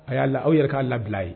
A y'a aw yɛrɛ k'a labila ye